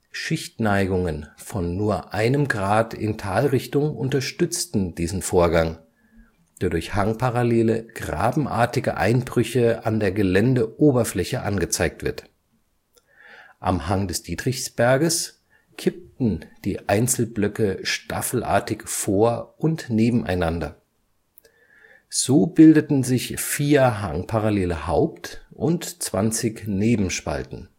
Schichtneigungen von nur einem Grad in Talrichtung unterstützten diesen Vorgang, der durch hangparallele grabenartige Einbrüche an der Geländeoberfläche angezeigt wird. Am Hang des Dietrichsberges kippten die Einzelblöcke staffelartig vor - und nebeneinander. So bildeten sich vier hangparallele Haupt - und zwanzig Nebenspalten